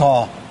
Do.